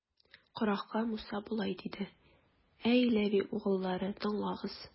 Корахка Муса болай диде: Әй Леви угыллары, тыңлагыз!